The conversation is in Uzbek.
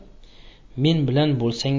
men bilan bo'lsang